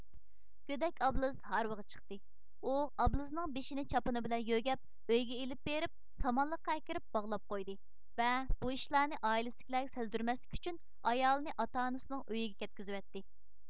گۆدەك ئابلىز ھارۋىغا چىقتى ئۇ ئابلىزنىڭ بېشىنى چاپىنى بىلەن يۆگەپ ئۆيگە ئېلىپ بېرىپ سامانلىققا ئەكىرىپ باغلاپ قويدى ۋە بۇ ئىشلارنى ئائىلىسىدىكىلەرگە سەزدۈرمەسلىك ئۈچۈن ئايالىنى ئاتا ئانىسىنىڭ ئۆيىگە كەتكۈزىۋەتتى